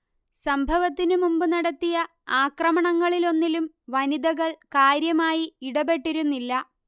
സംഭവത്തിനു മുമ്പ് നടത്തിയ ആക്രമണങ്ങളിലൊന്നിലും വനിതകൾ കാര്യമായി ഇടപെട്ടിരുന്നില്ല